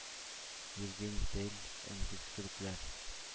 Вильгельм Телль, Энгельс кебекләр?